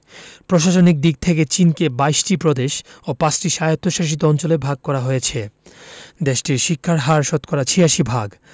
প্রশাসনিক দিক থেকে চিনকে ২২ টি প্রদেশ ও ৫ টি স্বায়ত্তশাসিত অঞ্চলে ভাগ করা হয়েছে দেশটির শিক্ষার হার শতকরা ৮৬ ভাগ